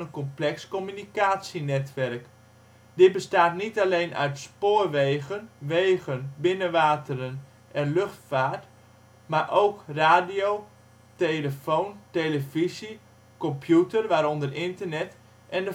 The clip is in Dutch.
complex communicatienetwerk. Dit bestaat niet alleen uit spoorwegen, wegen, binnenwateren en luchtvaart maar ook telefoom, radio, televisie, computer (waaronder internet) en